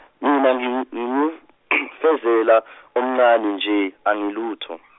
mina nging- ngfezela- omncane nje angi lutho .